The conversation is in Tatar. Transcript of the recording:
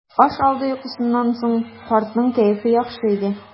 Аш алды йокысыннан соң картның кәефе яхшы иде.